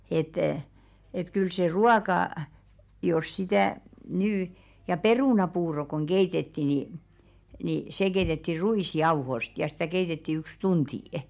että että kyllä se ruoka jos sitä nyt ja perunapuuro kun keitettiin niin niin se keitettiin ruisjauhoista ja sitä keitettiin yksi tunti